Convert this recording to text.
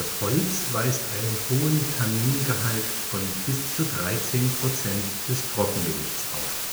Holz weist einen hohen Tanningehalt von bis zu 13 Prozent des Trockengewichts auf